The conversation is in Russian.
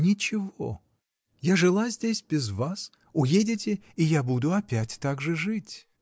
— Ничего: я жила здесь без вас, уедете — и я буду опять так же жить.